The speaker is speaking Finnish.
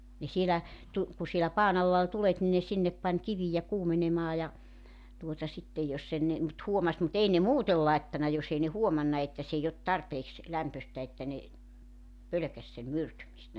ne siellä - kun siellä padan alla oli tulet niin ne sinne pani kiviä kuumenemaan ja tuota sitten jos ei ne mutta huomasi mutta ei ne muuten laittanut jos ei ne huomannut että se ei ole tarpeeksi lämpöistä että ne pelkäsi sen myrtymistä